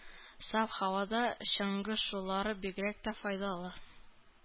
Саф һавада чаңгы шуулары бигрәк тә файдалы.